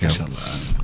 macha amiin